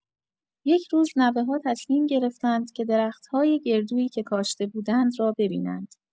یک روز، نوه‌ها تصمیم گرفتند که درخت‌های گردویی که کاشته بودند را ببینند.